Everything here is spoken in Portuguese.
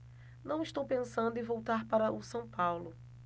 não estou pensando em voltar para o são paulo